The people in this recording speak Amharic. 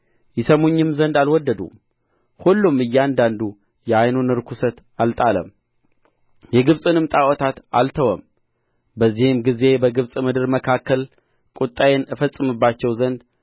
ይሰሙኝም ዘንድ አልወደዱም ሁሉም እያንዳንዱ የዓይኑን ርኵሰት አልጣለም የግብጽንም ጣዖታት አልተወም በዚህም ጊዜ በግብጽ ምድር መካከል ቍጣዬን እፈጽምባቸው ዘንድ